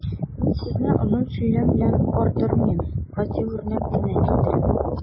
Мин сезне озын сөйләм белән ардырмыйм, гади үрнәк кенә китерәм.